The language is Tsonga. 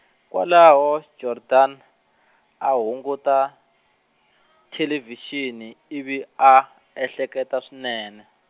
kwalaho, Jordaan, a hunguta , thelevhixini ivi a, ehleketa swinene.